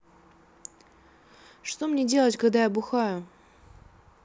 что мне делать когда я бухаю